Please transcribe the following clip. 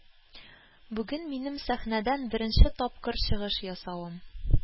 Бүген минем сәхнәдән беренче тапкыр чыгыш ясавым.